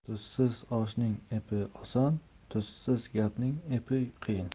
tuzsiz oshning epi oson tuzsiz gapning epi qiyin